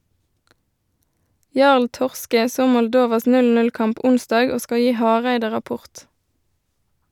Jarl Torske så Moldovas 0-0-kamp onsdag og skal gi Hareide rapport.